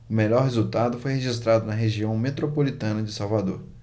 o melhor resultado foi registrado na região metropolitana de salvador